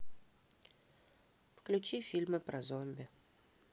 включи фильмы про зомби